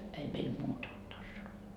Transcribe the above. ei meillä muuta ollut tansseja